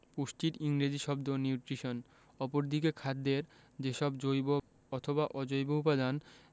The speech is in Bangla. পুষ্টির ইংরেজি শব্দ নিউট্রিশন অপরদিকে খাদ্যের যেসব জৈব অথবা অজৈব উপাদান